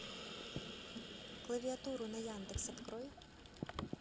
клавиатуру на яндекс открой